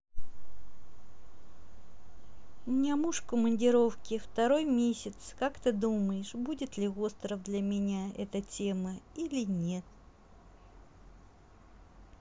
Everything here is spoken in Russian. у меня муж в командировки второй месяц как ты думаешь будет ли остров для меня эта тема или нет